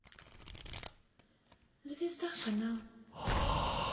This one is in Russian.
звезда канал